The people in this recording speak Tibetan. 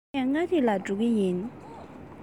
དེ ནས མངའ རིས ལ འགྲོ གི ཡིན